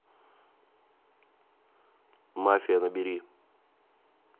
mafia набери